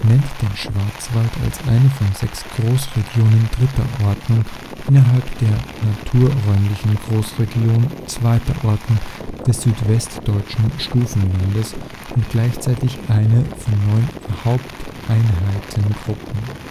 nennt den Schwarzwald als eine von sechs Großregionen 3. Ordnung innerhalb der naturräumlichen Großregion 2. Ordnung des Südwestdeutschen Stufenlandes und gleichzeitig eine von neun Haupteinheitengruppen